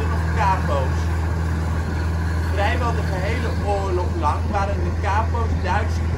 of kapo 's. Vrijwel de gehele oorlog lang waren de kapo 's Duitse